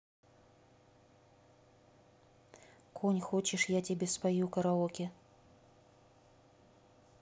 конь хочешь я тебе спою караоке